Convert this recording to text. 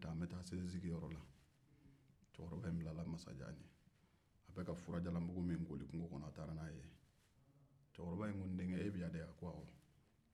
cɛkɔrɔba in bilara masajan ɲɛ a taara n'a ye a ka furajalanbugu la cɛkɔrɔba ko n den kɛ e bɛ yan de wa